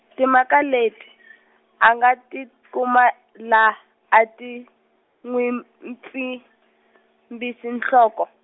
timhaka leti, a nga ti kuma la a ti , n'wi pfimbise nhloko.